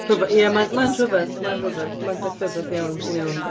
Rhyfedd ia mae'n mae'n rhyfedd mae'n rhyfedd. Mae'n peth rhyfedd iawn ti'n iawn.